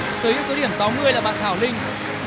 sở hữu số điểm sáu mươi là bạn thảo linh